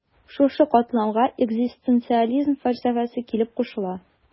Шушы катламга экзистенциализм фәлсәфәсе килеп кушыла.